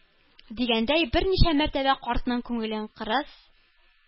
Дигәндәй, берничә мәртәбә картның күңелен кырыс,